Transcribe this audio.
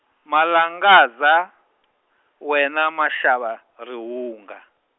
Malangadza, wena maxava, rihunga.